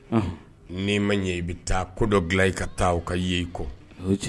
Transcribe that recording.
N'i ma ɲɛ i bɛ taa ko dɔ dilan i ka taa ka ye i kɔ